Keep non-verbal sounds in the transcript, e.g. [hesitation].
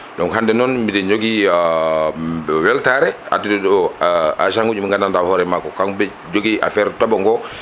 donc hande noon biɗe joogui [hesitation] weltare addude ɗo agent nguji mo gandanɗa hoorema ko kamɓe jogui affaire tooɓogo